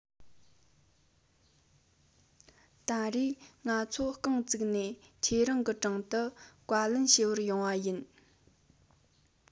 ད རེས ང ཚོ རྐང བཙུགས ནས ཁྱེད རང གི དྲུང དུ བཀའ ལན ཞུ བར ཡོང བ ཡིན